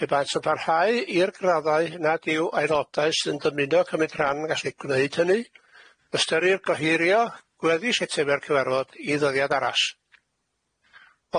Pe baent yn parhau i'r graddau nad yw aelodau sy'n dymuno cymryd rhan yn gallu gwneud hynny, ystyrir gohirio gweddill eitemau'r cyfarfod i ddyddiad arall.